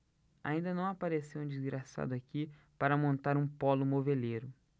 ainda não apareceu um desgraçado aqui para montar um pólo moveleiro